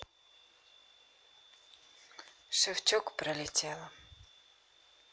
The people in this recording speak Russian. шевчук пролетела